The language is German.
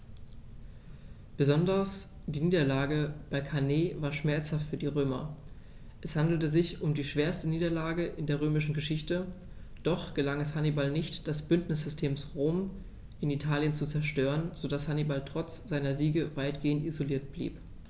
Besonders die Niederlage bei Cannae war schmerzhaft für die Römer: Es handelte sich um die schwerste Niederlage in der römischen Geschichte, doch gelang es Hannibal nicht, das Bündnissystem Roms in Italien zu zerstören, sodass Hannibal trotz seiner Siege weitgehend isoliert blieb.